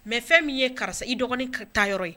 Mais fɛn min ye karisa i dɔgɔnin ka taa yɔrɔ ye